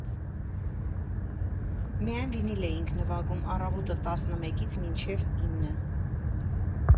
«Միայն վինիլ էինք նվագում, առավոտը տասնմեկից մինչև ինը։